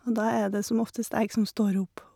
Og da er det som oftest jeg som står opp.